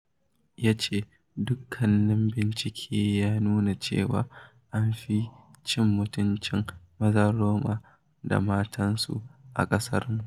Ya ce: Dukkanin bincike ya nuna cewa an fi cin mutuncin mazan Roma da matansu a ƙasarmu.